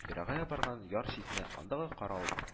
Ерагая барган яр читенә, андагы карал